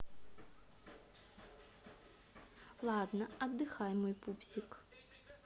ладно отдыхай мой пупсик